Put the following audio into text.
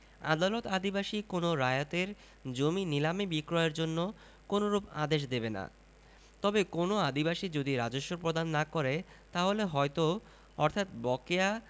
আদালত আদিবাসী কোন রায়তের জমি নিলামে বিক্রয়ের জন্য কোনরূপ আদেশ দেবেনা তবে কোনও আদিবাসী যদি রাজস্ব প্রদান না করে তাহলে হয়ত অর্থাৎ বকেয়া